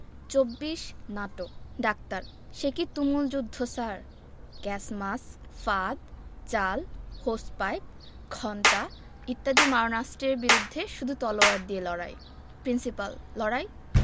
২৪ নাটক ডাক্তার সেকি তুমুল যুদ্ধ স্যার গ্যাস মাস্ক ফাঁদ জাল হোস পাইপ ঘণ্টা ইত্যাদি মারণাস্ত্রের বিরুদ্ধে শুধু তলোয়ার দিয়ে লড়াই প্রিন্সিপাল লড়াই